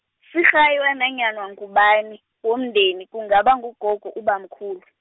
zirhaywa nanyana ngubani, womndeni kungaba ngugogo ubamkhulu.